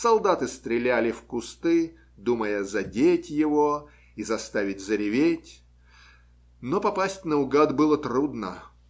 Солдаты стреляли в кусты, думая задеть его и заставить зареветь, но попасть наугад было трудно.